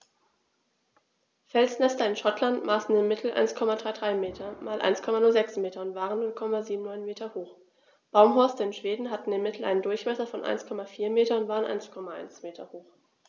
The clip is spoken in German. Felsnester in Schottland maßen im Mittel 1,33 m x 1,06 m und waren 0,79 m hoch, Baumhorste in Schweden hatten im Mittel einen Durchmesser von 1,4 m und waren 1,1 m hoch.